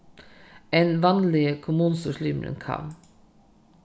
enn vanligi kommunustýrislimurin kann